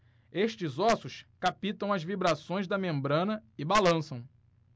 estes ossos captam as vibrações da membrana e balançam